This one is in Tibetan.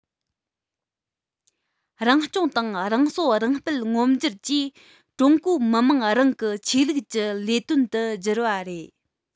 རང སྐྱོང དང རང གསོ རང སྤེལ མངོན འགྱུར གྱིས ཀྲུང གོའི མི དམངས རང གི ཆོས ལུགས ཀྱི ལས དོན དུ གྱུར པ རེད